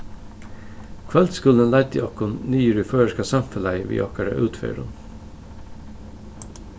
kvøldskúlin leiddi okkum niður í føroyska samfelagið við okkara útferðum